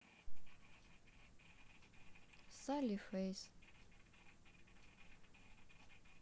салли фейс